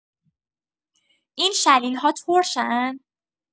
این شلیل‌ها ترشن؟